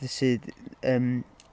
sydd yym...